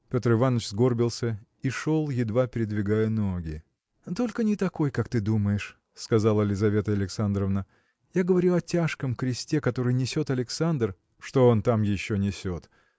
Петр Иваныч сгорбился и шел, едва передвигая ноги. – Только не такой как ты думаешь – сказала Лизавета Александровна – я говорю о тяжком кресте который несет Александр. – Что он там еще несет?